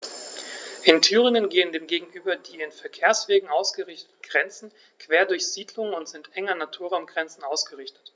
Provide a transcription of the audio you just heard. In Thüringen gehen dem gegenüber die an Verkehrswegen ausgerichteten Grenzen quer durch Siedlungen und sind eng an Naturraumgrenzen ausgerichtet.